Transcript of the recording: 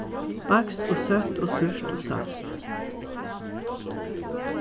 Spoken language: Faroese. beiskt og søtt og súrt og salt